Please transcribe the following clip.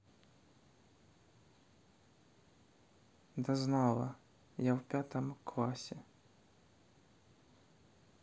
да знала я в пятом классе